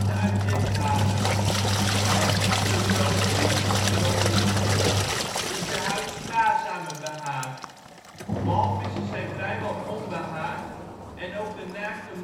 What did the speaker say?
uit dekharen. Bij enkele zoogdieren, waaronder de mens, is de huid spaarzamer behaard. Walvissen zijn vrijwel onbehaard en ook de naakte